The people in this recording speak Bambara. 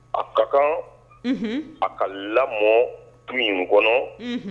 A ka kan. Unhun. A ka lamɔ du kɔnɔ. Un.